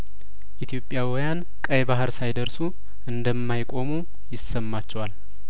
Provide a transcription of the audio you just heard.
ኢትዮጵያውያን ቀይባህር ሳይደርሱ እንደማይቆሙ ይሰማቸዋል